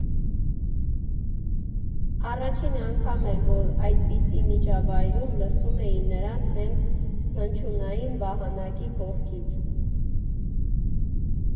Առաջին անգամ էր, որ այդպիսի միջավայրում լսում էի նրան՝ հենց հնչյունային վահանակի կողքից։